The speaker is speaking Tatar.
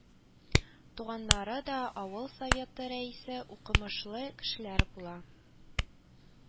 Туганнары да авыл советы рәисе, укымышлы кешеләр була